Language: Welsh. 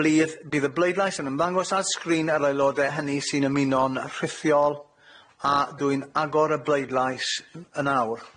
Blydd bydd y bleidlais yn ymddangos ar sgrin yr aelode hynny sy'n ymuno'n rhithiol, a dwi'n agor y bleidlais yn awr.